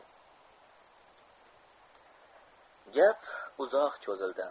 gap uzoq cho'zildi